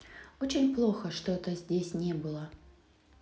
очень плохо что то здесь не было